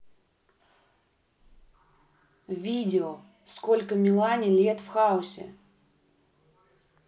видео сколько милане лет в хаосе